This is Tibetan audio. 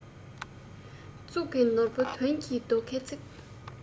གཙུག གི ནོར བུ དོན གྱི རྡོ ཁའི ཚིག